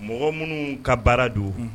Mɔgɔ minnu ka baara don